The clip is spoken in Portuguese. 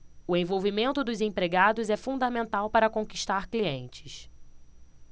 o envolvimento dos empregados é fundamental para conquistar clientes